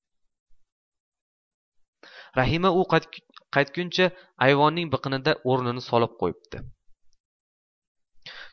rahima u qaytguncha ayvonning biqiniga o'rnini solib qo'yibdi